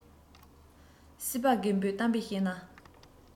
སྲིད པ རྒད པོས གཏམ དཔེ བཤད ན